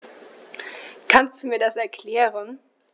Kannst du mir das erklären?